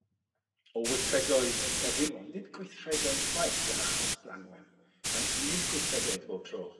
o weithredoedd o'r hyn on' nid gweithredoedd chwaith yn achos Branwen. Reit? Nid gweithredoedd bob tro.